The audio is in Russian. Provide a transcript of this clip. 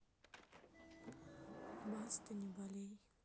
баста не болей